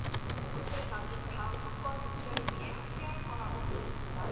언젠가는 다음 정권 교체를 위해 함께할 거라고 생각한다